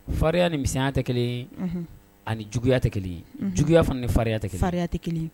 Farinya ni miya tɛ kelen ani juguyaya tɛ kelen juguyaya ani farinya tɛ farinya tɛ kelen